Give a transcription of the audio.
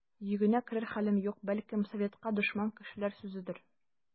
Йөгенә керер хәлем юк, бәлкем, советка дошман кешеләр сүзедер.